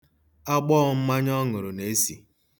Agbọ mmanya ọ ṅụrụ na-esi.